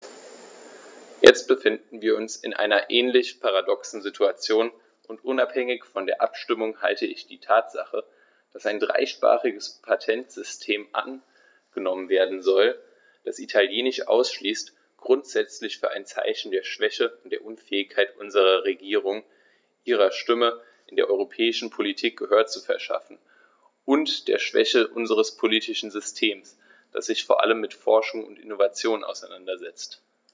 Jetzt befinden wir uns in einer ähnlich paradoxen Situation, und unabhängig von der Abstimmung halte ich die Tatsache, dass ein dreisprachiges Patentsystem angenommen werden soll, das Italienisch ausschließt, grundsätzlich für ein Zeichen der Schwäche und der Unfähigkeit unserer Regierung, ihrer Stimme in der europäischen Politik Gehör zu verschaffen, und der Schwäche unseres politischen Systems, das sich vor allem mit Forschung und Innovation auseinandersetzt.